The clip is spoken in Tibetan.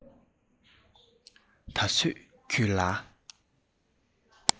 ད བཟོད ཁྱོད ལ